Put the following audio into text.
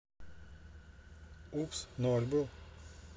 упс ноль был